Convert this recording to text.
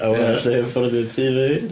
A 'wan alla i fforddio tŷ fy hun.